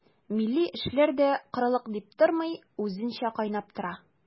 Милли эшләр дә корылык дип тормый, үзенчә кайнап тора.